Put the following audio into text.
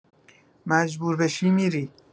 مجبور بشی می‌ری